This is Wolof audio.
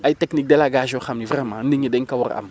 ay techniques * yoo xam ni vraiment nit ñi dañ ko war a am